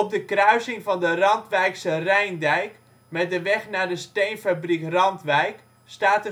de kruising van de Randwijkse Rijndijk met de weg naar de steenfabriek ' Randwijk ' staat